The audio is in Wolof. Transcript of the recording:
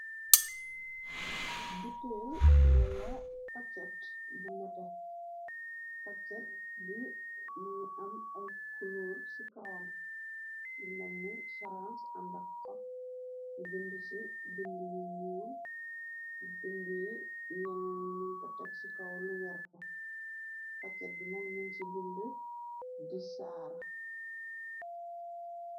butel wala paccet bu nete paccet bu nu ngi am ay kuloor ci kawam yi nenni sarange àndak xop yi bind ci bind yi nuur bind yi yenni niñ ko tek sikawlu werta paccet bi nak nin ci bindi disaar.